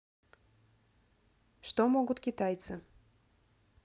что могут китайцы